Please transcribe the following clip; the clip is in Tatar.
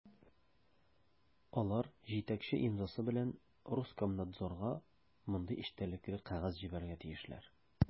Алар җитәкче имзасы белән Роскомнадзорга мондый эчтәлекле кәгазь җибәрергә тиешләр: